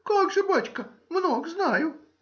— Как же, бачка,— много знаю.